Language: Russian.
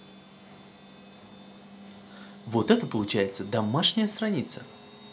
вот это получается домашняя страница